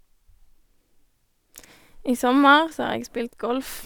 I sommer så har jeg spilt golf.